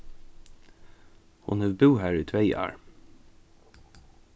hon hevur búð har í tvey ár